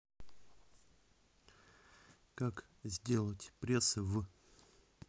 как сделать пресс в